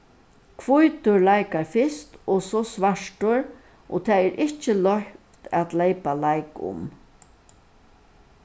hvítur leikar fyrst og so svartur og tað er ikki loyvt at leypa leik um